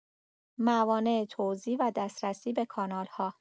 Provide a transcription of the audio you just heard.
موانع توزیع و دسترسی به کانال‌ها